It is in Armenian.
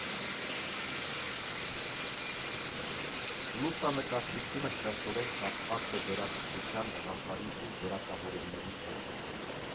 Լուսանկարչությունը սերտորեն կապված է վերատպության գաղափարի ու որակավորումների հետ.